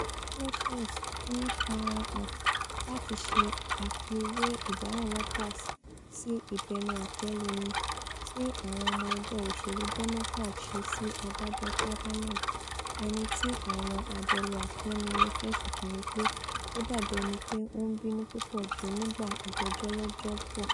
Fleischer ńfarahàn láti ṣe àfiwé ìdáhùn Waters sí ìbẹnuàtẹluni tí àwọn ọmọ ẹgbẹ́ òṣèlú Democrat ṣe sí Adájọ́ Kavanaugh, ẹnití àwọn abẹnuàtẹluni fẹ̀sùn kàn wí pé ó dàbí ẹnipé ó ńbínú púpọ̀ jù nígbà ìgbẹ́jọ́ lọ́jọ́ 'Bọ̀.